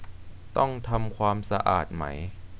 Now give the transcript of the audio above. ต้องทำความสะอาดไหม